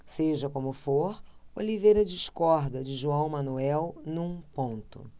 seja como for oliveira discorda de joão manuel num ponto